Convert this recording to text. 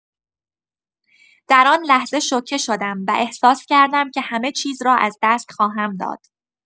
در آن لحظه شوکه شدم و احساس کردم که همه چیز را از دست خواهم داد.